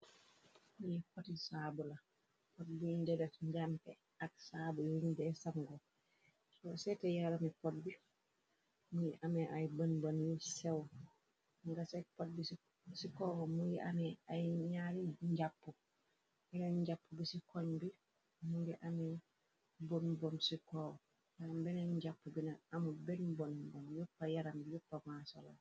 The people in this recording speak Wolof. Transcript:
Mi poti saabu la pot bi ndedef njàmpe ak saabu yu rinde sango co seete yarami pot bi mungi amee ay bën bon yu sew nga sek pot bici koow mungi amee ay ñaay njàpp yeneen njàpp bi ci koñ bi mu ngi amee bon boon ci koow la beneen njàpp bina amu ben bon bon yoppa yaram yoppa masola.